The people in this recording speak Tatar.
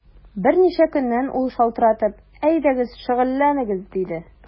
Берничә көннән ул шалтыратып: “Әйдәгез, шөгыльләнегез”, диде.